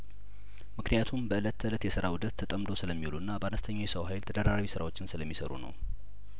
ምክንያቱም በእለት ተእለት የስራ ኡደት ተጠምደው ስለሚውሉና በአነስተኛ የሰው ሀይል ተደራራቢ ስራዎችን ስለሚሰሩ ነው